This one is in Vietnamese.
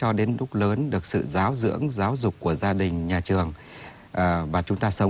cho đến lúc lớn được sự giáo dưỡng giáo dục của gia đình nhà trường ờ và chúng ta sống